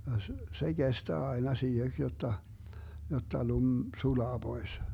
ja - se kestää aina siiheksi jotta jotta lumi sulaa pois